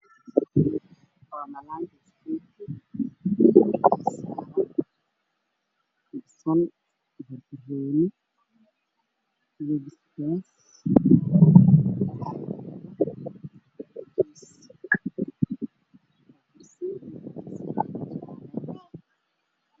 Waxa ii muuqda bariis hilib iyo qudaar miis wada saaran